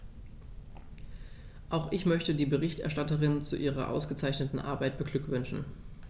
Auch ich möchte die Berichterstatterin zu ihrer ausgezeichneten Arbeit beglückwünschen.